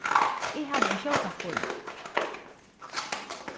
eg havi ein skjótan spurning